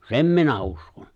sen minä uskon